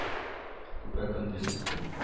Көпә-көндез.